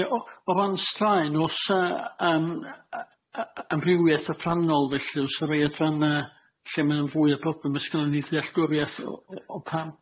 Ie o o pan straen o's yy yym yy yy amrywieth y pranol felly o's y rei adran yy lle ma' nw'n fwy o problem os gynnon ni ddeallgwrieth o- o- o- o- pam?